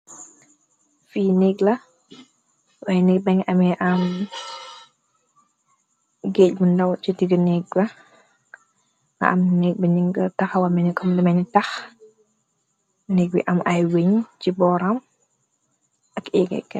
Fi nigg la wai nig-bagi amee am géej bu ndaw si digga neggba nga am négg ba ning taxawal kom lu melni tah négg bi am ay wencj ci booram ak égék kai.